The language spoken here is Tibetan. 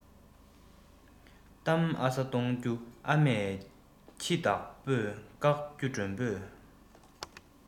གཏམ ཨ ས གཏོང རྒྱུ ཨ མས ཁྱི བདག པོས བཀག རྒྱུ མགྲོན པོས